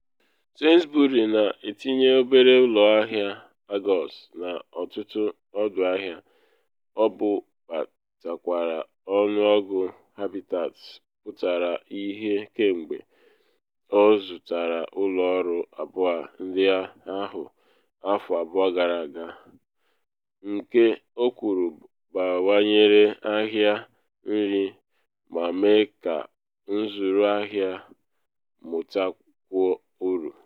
Sainsbury na etinye obere ụlọ ahịa Argos n’ọtụtụ ọdụ ahịa, o bubatakwara ọnụọgụ Habitats pụtara ihie kemgbe ọ zụtara ụlọ ọrụ abụọ ndị ahụ afọ abụọ gara aga, nke o kwuru bawanyere ahịa nri ma mee ka nzụrụ ahụ mụtakwuo uru.